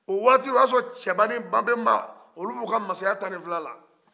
o waato y'a sɔrɔ cɛba ni babɛnba olu bɛ u ka masaya tan ani filɛla